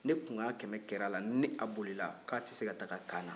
n kunkan ɲɛ kɛmɛ kɛra a la ni a bolila ko a tɛ se ka taa kaana